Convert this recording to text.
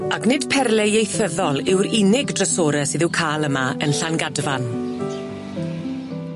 Ac nid perle ieithyddol yw'r unig drysore sydd i'w ca'l yma yn Llangadfan.